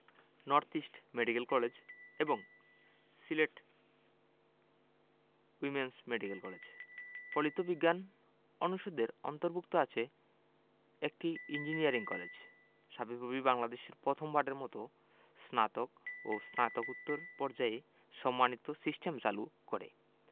north East Medical College এবং Sylhet Women's Medical College ফলিত বিজ্ঞান অনুষদের অন্তর্ভুক্ত আছে একটি ইঞ্জিনিয়ারিং কলেজ সাবিপ্রবি বাংলাদেশে পথম বারের মতো স্নাতক এবং স্নাতকোত্তর পর্যায়ে সমান্বিত সিস্টেম চালু করে